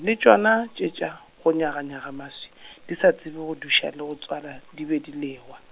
le tšona tše tša, go nyaganyaga maswi, di sa tsebe go duša le go tswala, di be di lewa.